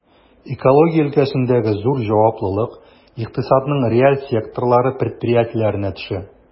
Экология өлкәсендәге зур җаваплылык икътисадның реаль секторлары предприятиеләренә төшә.